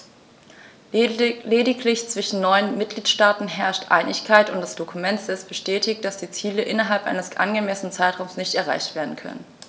Lediglich zwischen neun Mitgliedsstaaten herrscht Einigkeit, und das Dokument selbst bestätigt, dass die Ziele innerhalb eines angemessenen Zeitraums nicht erreicht werden können.